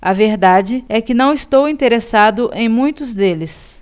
a verdade é que não estou interessado em muitos deles